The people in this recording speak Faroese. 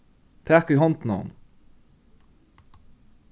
tak í hondina á honum